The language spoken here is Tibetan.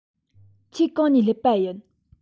ཁྱེད གང ནས སླེབས པ ཡིན